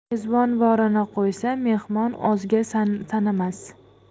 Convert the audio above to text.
mezbon borini qo'ysa mehmon ozga sanamas